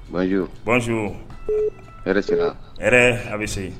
Jo banjo yɛrɛ sera yɛrɛ a bɛ segin